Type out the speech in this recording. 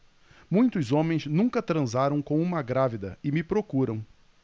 muitos homens nunca transaram com uma grávida e me procuram